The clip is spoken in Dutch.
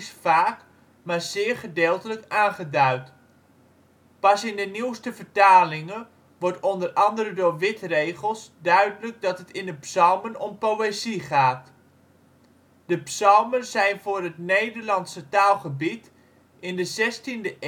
vaak maar zeer gedeeltelijk aangeduid. Pas in de nieuwste vertalingen wordt onder andere door witregels duidelijk dat het in de psalmen om poëzie gaat. De psalmen zijn voor het Nederlandse taalgebied in de zestiende